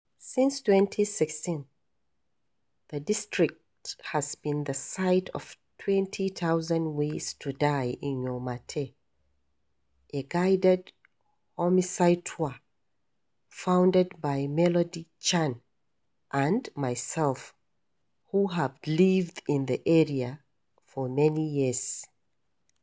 Since 2016, the district has been the site of "20,000 ways to die in Yau Ma Tei", a guided "homicide tour" founded by Melody Chan and myself, who have lived in the area for many years.